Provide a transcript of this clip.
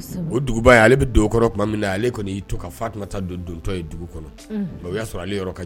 O duguba ale bɛ do kɔrɔ tuma min na ale kɔni y'i to ka fa taa don dontɔ ye dugu kɔnɔ o y'a sɔrɔ ale yɔrɔ